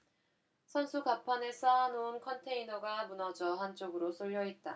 선수 갑판에 쌓아놓은 컨테이너가 무너져 한쪽으로 쏠려 있다